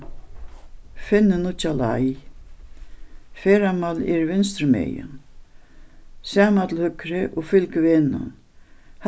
finni nýggja leið ferðamálið er vinstrumegin sama til høgru og fylg vegnum